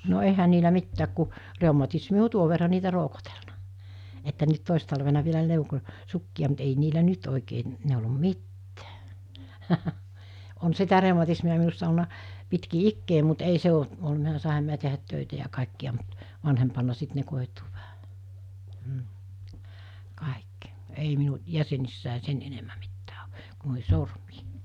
no eihän niillä mitään kun reumatismi on tuon verran niitä roukotellut että nyt toissa talvena vielä neuloin sukkia mutta ei niillä nyt oikein - neulo mitään on sitä reumatismia minussa ollut pitkin ikää mutta ei se ole ollut minä sainhan minä tehdä töitä ja kaikkia mutta vanhempana sitten ne koituu vähän mm kaikki ei minun jäsenissä sen enemmän mitään ole kuin noihin sormiin